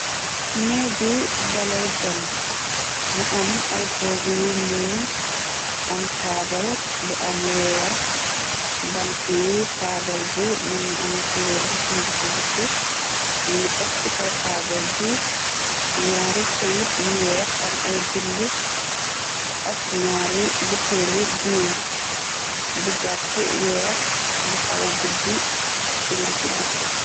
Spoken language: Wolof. Neegu dalal gan mu am ay toogu yu ñuul am taabal bu am weer bant yi taabal bi mëngi ame kuluor bu sungu ci bukki ni ngi tog ci kaw taabal ji ñaari këyit yu weex am ay bind ak ñaari buteeli diiw bu gàtt weex bu xawa gudd sung ci bukke.